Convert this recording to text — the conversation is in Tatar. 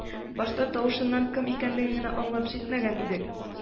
Башта тавышыннан кем икәнлеген аңлап җитмәгән идек